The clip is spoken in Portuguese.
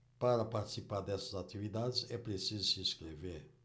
para participar dessas atividades é preciso se inscrever